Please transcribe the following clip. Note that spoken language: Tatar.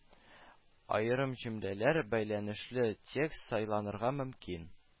Аерым җөмлəлəр, бəйлəнешле текст сайланырга мөмкин